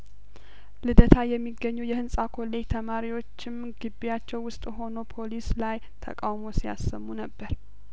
ልደታ የሚገኙ የህንጻ ኮሌጅ ተማሪዎችም ግቢያቸው ውስጥ ሆነው ፖሊስ ላይ ተቃውሞ ሲያሰሙ ነበር